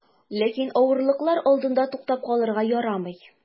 Ләкин авырлыклар алдында туктап калырга ярамый.